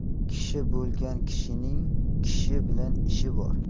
kishi bo'lgan kishining kishi bilan ishi bor